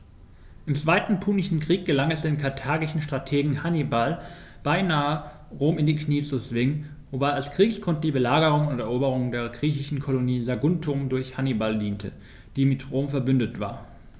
Im Zweiten Punischen Krieg gelang es dem karthagischen Strategen Hannibal beinahe, Rom in die Knie zu zwingen, wobei als Kriegsgrund die Belagerung und Eroberung der griechischen Kolonie Saguntum durch Hannibal diente, die mit Rom „verbündet“ war.